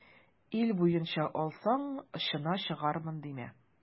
Ил буенча алсаң, очына чыгармын димә.